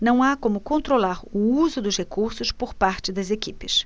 não há como controlar o uso dos recursos por parte das equipes